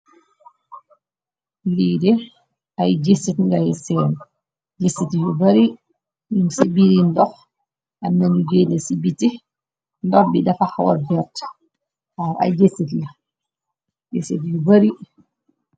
Leede ay jëssit ngay seen jissit yu bari ñug ci biri ndox am nanu geena ci biti ndox bi dafa xawa verte aw ay jëssit la jissit yu bari.